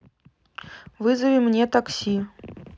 вызови мне такси